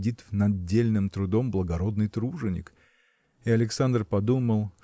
сидит над дельным трудом благородный труженик. И Александр подумал